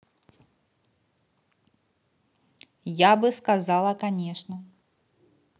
я бы сказала конечно